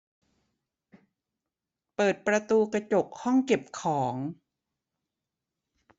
เปิดประตูกระจกห้องเก็บของ